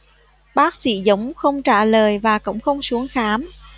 bác sĩ dúng không trả lời và cũng không xuống khám